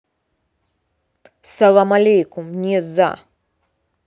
салам алейкум не за